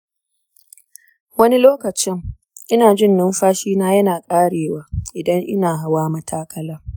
wani lokacin ina jin numfashi na yana ƙarewa idan ina hawa matakala.